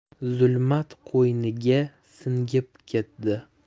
zulmat qo'yniga singib ketdi